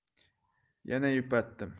yana yupatdim